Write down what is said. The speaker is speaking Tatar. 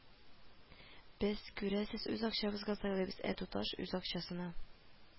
Без, күрәсез, үз акчабызга сыйланабыз, ә туташ үз акчасына